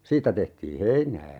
siitä tehtiin heinää